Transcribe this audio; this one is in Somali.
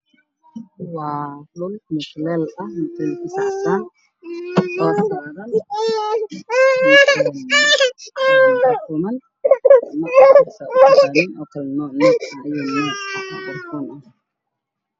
Waa mutulel cadaan waxaa yaalo cagado fara badan oo ku jiro catar dhulka waa munthuleel cadaan